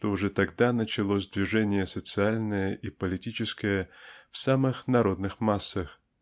что уже тогда началось движение социальное и политическое в самых народных массах.